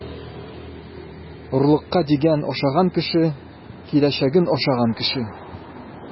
Орлыкка дигәнне ашаган кеше - киләчәген ашаган кеше.